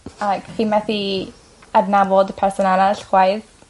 Ag chi methu adnabod y person arall chwaith.